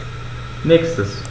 Nächstes.